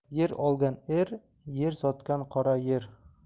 yer olgan er yer sotgan qora yer